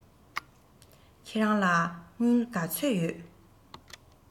ཁྱེད རང ལ དངུལ ག ཚོད ཡོད